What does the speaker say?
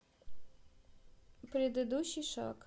предыдущий шаг